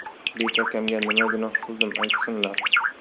bek akamga nima gunoh qildim aytsinlar